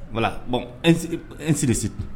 Wala bɔn n siriresi